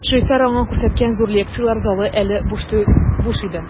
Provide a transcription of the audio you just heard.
Швейцар аңа күрсәткән зур лекцияләр залы әле буш иде.